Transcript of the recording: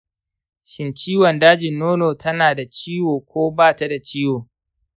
shin ciwon dajin nono tana da ciwo ko ba ta da ciwo?